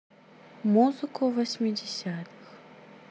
музыку восьмидесятых